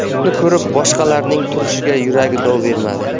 buni ko'rib boshqalarining turishga yuragi dov bermadi